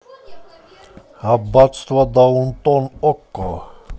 аббатство даунтон окко